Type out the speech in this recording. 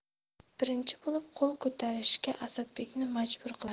birinchi bo'lib qo'l ko'tarishga asadbekni majbur qiladi